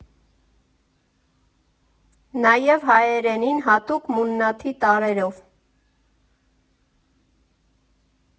Նաև հայերենին հատուկ մուննաթի տարրերով։